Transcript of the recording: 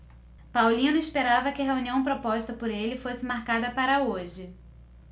paulino esperava que a reunião proposta por ele fosse marcada para hoje